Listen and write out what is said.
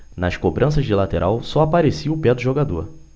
nas cobranças de lateral só aparecia o pé do jogador